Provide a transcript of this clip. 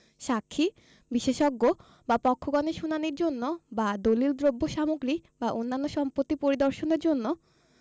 সাক্ষী বিশেষজ্ঞ বা পক্ষগণের শুনানীর জন্য বা দলিল দ্রব্যসামগ্রী বা অন্যান্য সম্পত্তি পরিদর্শনের জন্য